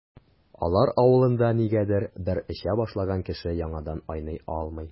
Алар авылында, нигәдер, бер эчә башлаган кеше яңадан айный алмый.